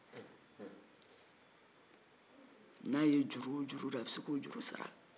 n'a ye juru o juru don a bɛ se k'o juru sara